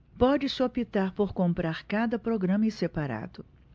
pode-se optar por comprar cada programa em separado